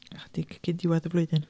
Ychydig cyn diwedd y flwyddyn.